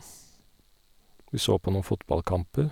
Vi så på noen fotballkamper.